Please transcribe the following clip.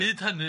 Hyd hynny...